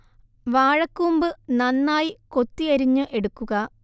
വാഴ കൂമ്പ് നന്നായി കൊത്തി അരിഞ്ഞു എടുക്കുക